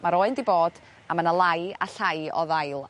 ma'r oen 'di bod a ma' 'na lai a llai o ddail